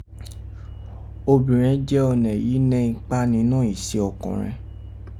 obìrẹn je ọnẹ yìí ni ipa ninọ́ ise ọkọ̀nrẹn.